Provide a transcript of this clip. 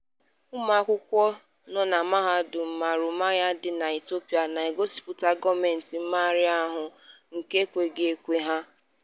Ụmụakwụkwọ nọ na Mahadum Haromaya dị na Ethiopia na-egosipụta gọọmentị mmegharị ahụ nke ekweghị ekwe ha.